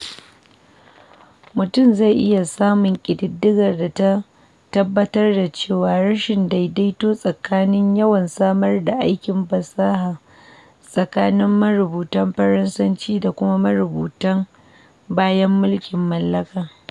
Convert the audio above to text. Mutum zai iya samun ƙididdigar da ta tabbatar da wannan: rashin daidaito tsakanin yawan samar da aikin fasaha tsakanin marutan Faransanci da kuma marubutan bayan mulkin mallaka.